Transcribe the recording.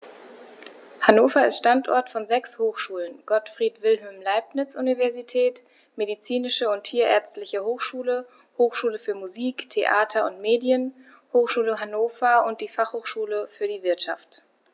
Hannover ist Standort von sechs Hochschulen: Gottfried Wilhelm Leibniz Universität, Medizinische und Tierärztliche Hochschule, Hochschule für Musik, Theater und Medien, Hochschule Hannover und die Fachhochschule für die Wirtschaft.